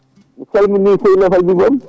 mi salmini *en